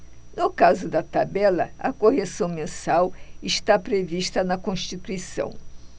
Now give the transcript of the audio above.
no caso da tabela a correção mensal está prevista na constituição